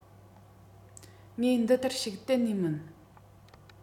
ངའི འདི ལྟར ཞིག གཏན ནས མིན